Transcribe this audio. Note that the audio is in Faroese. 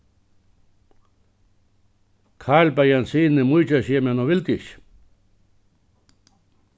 karl bað jensinu mýkja seg men hon vildi ikki